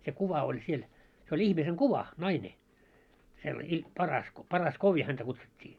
se kuva oli siellä se oli ihmisen kuva nainen -- Parasko Paraskoovi häntä kutsuttiin